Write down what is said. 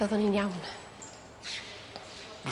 Byddwn ni'n iawn.